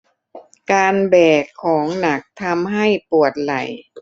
การแบกของหนักทำให้ปวดไหล่